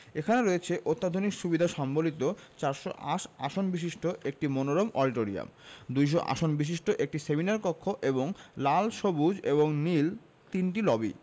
এখানে রয়েছে অত্যাধুনিক সুবিধা সম্বলিত ৪০০ আশ আসন বিশিষ্ট একটি মনোরম অডিটোরিয়াম ২০০ আসন বিশিষ্ট একটি সেমিনার কক্ষ এবং লাল সবুজ এবং নীল তিনটি লবি